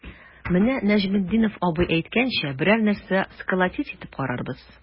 Менә Нәҗметдинов абый әйткәнчә, берәр нәрсә сколотить итеп карарбыз.